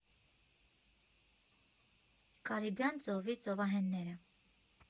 Կարիբյան ծովի ծովահենները։